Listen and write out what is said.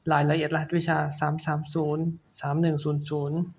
รายละเอียดรหัสวิชาสามสามศูนย์สามหนึ่งศูนย์ศูนย์